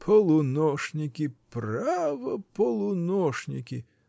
— Полунощники, право, полунощники!